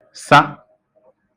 -sa